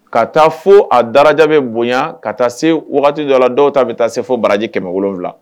Ka taa fo a daraja bɛ bonya ka taa se wagati dɔ la, dɔw ta bɛ taa se fo baraji kɛmɛ wolonwula 700 la.